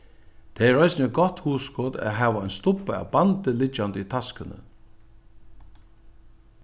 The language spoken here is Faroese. tað er eisini eitt gott hugskot at hava ein stubba av bandi liggjandi í taskuni